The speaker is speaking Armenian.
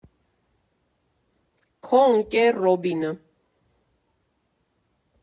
ՔՈ ԸՆԿԵՐ ՌՈԲԻՆԸ։